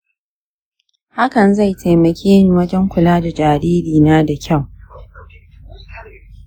hakan zai taimake ni wajen kula da jaririna da kyau.